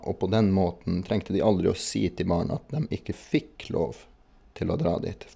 Og på den måten trengte de aldri å si til barna at dem ikke fikk lov til å dra dit f.